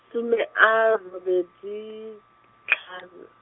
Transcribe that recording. some a robedi, tlhano.